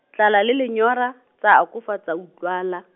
tlala le lenyora, tsa akofa tsa utlwala.